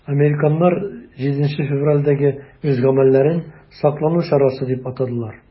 Американнар 7 февральдәге үз гамәлләрен саклану чарасы дип атадылар.